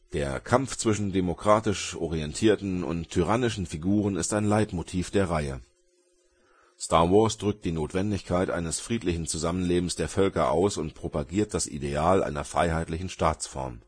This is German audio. Der Kampf zwischen demokratisch orientierten und tyrannischen Figuren ist ein Leitmotiv der Reihe. Star Wars drückt die Notwendigkeit eines friedlichen Zusammenlebens der Völker aus und propagiert das Ideal einer freiheitlichen Staatsform